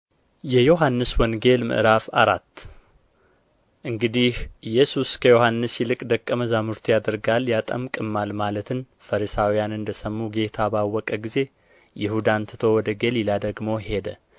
የዮሐንስ ወንጌል ምዕራፍ አራት እንግዲህ ኢየሱስ ከዮሐንስ ይልቅ ደቀ መዛሙርት ያደርጋል ያጠምቅማል ማለትን ፈሪሳውያን እንደ ሰሙ ጌታ ባወቀ ጊዜ ይሁዳን ትቶ ወደ ገሊላ ደግሞ ሄደ